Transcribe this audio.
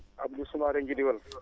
Abdou Soumaré Ngidiwal